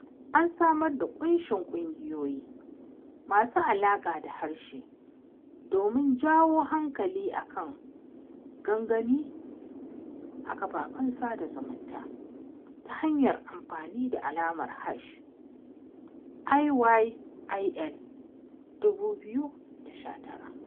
An samar da ƙunshin ƙungiyoyi masu alaƙa da harshe domin jawo hankali a kan gangamin a kafafen sada zumunta ta hanyar amfani da alamar hash #IYIL2019.